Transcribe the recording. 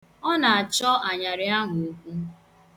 Ọ na-achọ anyarị ahụ okwu.